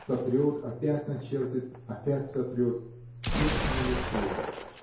сотрет, опять начертит, опять сотрет — всё не выходит!